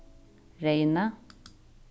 reynið